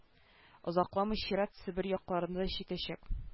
Озакламый чират себер якларына да җитәчәк